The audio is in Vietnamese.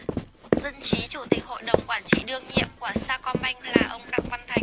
dân trí chủ tịch hội đồng quản trị đương nhiệm của sacombank là ông đặng văn thành